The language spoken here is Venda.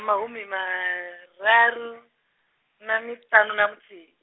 mahumimararu, na maṱanu na muthihi.